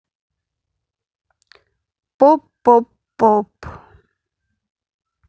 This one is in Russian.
поп поп поп